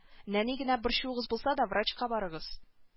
Нәни генә борчуыгыз булса да врачка барыгыз